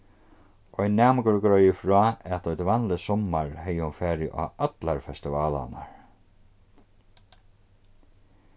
ein næmingur greiður frá at eitt vanligt summar hevði hon farið á allar festivalarnar